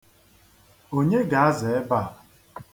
Onye ga-aza ebe a?